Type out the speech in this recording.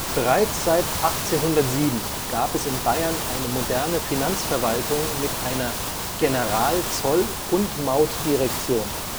Bereits seit 1807 gab es in Bayern eine moderne Finanzverwaltung mit einer General-Zoll - und Maut-Direktion